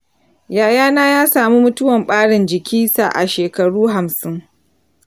yaya na ya samu mutuwan ɓarin jiki sa a shekaru hamsin.